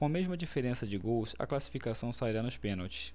com a mesma diferença de gols a classificação sairá nos pênaltis